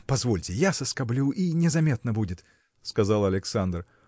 – Позвольте, я соскоблю – и незаметно будет, – сказал Александр.